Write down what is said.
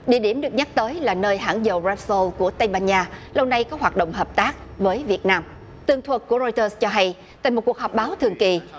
địa điểm được nhắc tới là nơi hãng dầu gờ roát xô của tây ban nha lâu nay có hoạt động hợp tác với việt nam tường thuật của roai tơ cho hay tại một cuộc họp báo thường kỳ